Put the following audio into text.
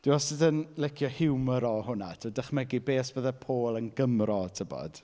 Dwi wastad yn licio hiwmor o hwnna. T- dychmygu be os byddai Paul yn Gymro, tibod.